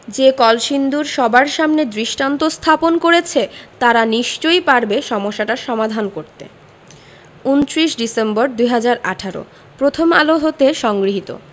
যে কলসিন্দুর সবার সামনে দৃষ্টান্ত স্থাপন করেছে তারা নিশ্চয়ই পারবে সমস্যাটার সমাধান করতে ২৯ ডিসেম্বর ২০১৮ প্রথম আলো হতে সংগৃহীত